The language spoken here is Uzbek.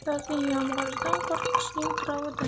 yozning yomg'iridan qo'rq qishning qirovidan